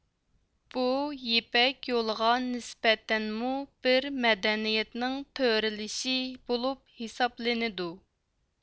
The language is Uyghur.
بۇ يىپەك يولىغا نىسبەتەنمۇ بىر مەدەنىيەتنىڭ تۆرىلىشى بولۇپ ھېسابلىنىدۇ